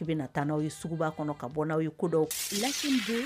Ubi na taa n'aw ye suguba kɔnɔ ka bɔ n'aw ye kodɔn layi don